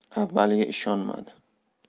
avvaliga ishonmadi